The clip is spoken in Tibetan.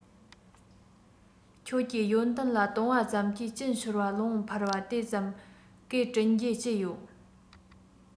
ཁྱོད ཀྱི ཡོན ཏན ལ བཏུངས པ ཙམ གྱིས གཅིན ཤོར བ རླུང འཕར བ དེ ཙམ གས དྲིན རྒྱུ ཅི ཡོད